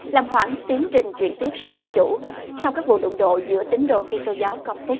làm hoãn tiến trình chuyển tiếp sang dân chủ sau các vụ đụng độ giữa tín đồ ki tô giáo cau tích